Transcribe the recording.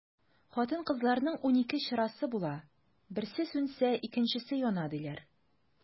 Хатын-кызларның унике чырасы була, берсе сүнсә, икенчесе яна, диләр.